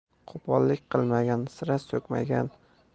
qo'pollik qilmagan sira so'kmagan